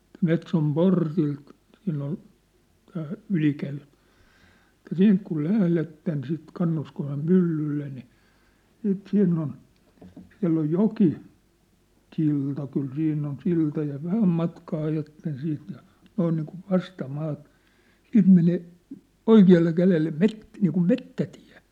että Metson portilta siinä on tämä ylikäytävä että siitä kun lähdette sitten Kannuskosken myllylle niin sitten siinä on siellä on joki silta kyllä siinä on silta ja vähän matkaa ajatte siitä ja noin niin kuin vastamaata siitä menee oikealle kädelle - niin kuin metsätie